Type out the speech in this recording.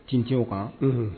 Tin tɛ o kan